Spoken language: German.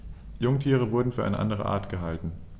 Jungtiere wurden für eine andere Art gehalten.